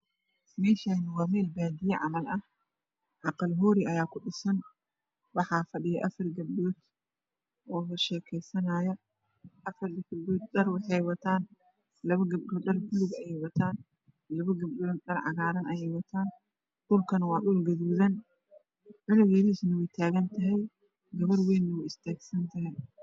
Meshan waa mel badiya waa Meshanwax fadho afra gabdhod labo kamid ah waxey watan dhar bolu ah labo kale waxey watan dhar cagar ah